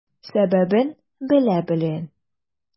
Сәбәбен белә белүен.